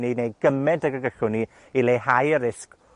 ni'n neud gyment ag y gyllwn ni i leihau y risg